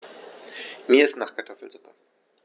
Mir ist nach Kartoffelsuppe.